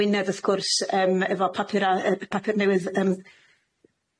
Ngwynedd wrth gwrs yym efo papura- yy papur newydd yym